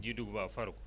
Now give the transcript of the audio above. ji fugub waa faru